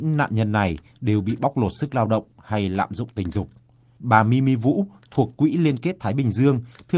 nạn nhân này đều bị bóc lột sức lao động hay lạm dụng tình dục bà mi mi vũ thuộc quỹ liên kết thái bình dương thừa